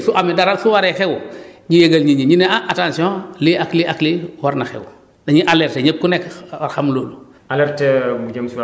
waa alerte mooy dañuy yëgal fu am dara su waree xew ñu yëgal nit ñi ñu ne ah attention lii ak lii ak lii war na xew dañuy alerter ñëpp ku nekk xam loolu